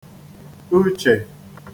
uchè